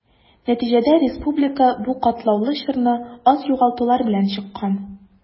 Нәтиҗәдә республика бу катлаулы чорны аз югалтулар белән чыккан.